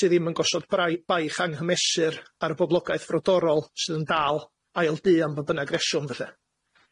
sydd ddim yn gosod brai- baich anghymesur ar y boblogaeth frodorol sydd yn dal ail dŷ am bo' bynnag feswm felly.